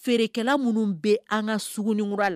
Feereerekɛla minnu bɛ an ka sugunɛinkura la